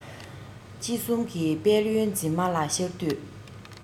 དཔྱིད གསུམ གྱི དཔལ ཡོན འཛིན མ ལ ཤར དུས